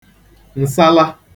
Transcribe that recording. ǹsala